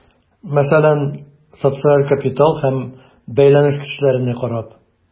Мәсәлән, социаль капитал һәм бәйләнеш көчләренә карап.